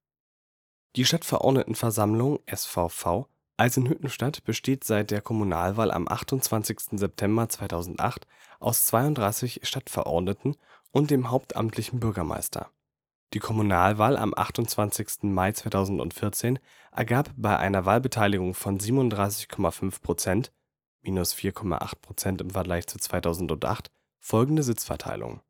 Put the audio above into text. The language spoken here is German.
Die Stadtverordnetenversammlung (SVV) Eisenhüttenstadt besteht seit der Kommunalwahl am 28. September 2008 aus 32 Stadtverordneten und dem hauptamtlichen Bürgermeister. Die Kommunalwahl am 25. Mai 2014 ergab bei einer Wahlbeteiligung von 37,5 Prozent (-4,8 Prozent im Vergleich zu 2008) folgende Sitzverteilung